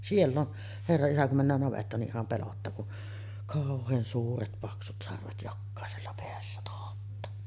siellä on herra isä kun mennään navettaan niin ihan pelottaa kun kauhean suuret paksut sarvet jokaisella päässä tohottaa